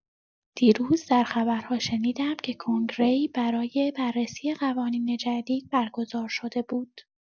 دیروز در خبرها شنیدم که کنگره‌ای برای بررسی قوانین جدید برگزار شده بود.